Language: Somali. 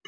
waa